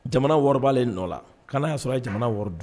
Jamana wɔɔrɔlen nɔ la kana y'a sɔrɔ jamana wari don